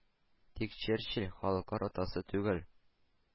Тик Черчилль “халыклар атасы” түгел